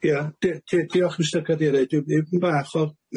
Ia di- di- diolch Mistar Cadeiria dwi ddim bach o